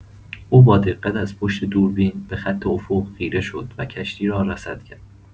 او با دقت از پشت دوربین به‌خط افق خیره شد و کشتی را رصد کرد.